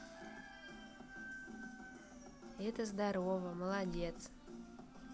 это здарова молодец